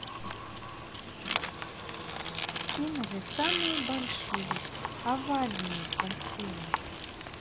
скинули самую большую овальную в бассейн